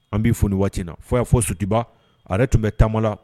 An b'i foli waatiina fo y'a fɔ sutiba ale tun bɛ taama la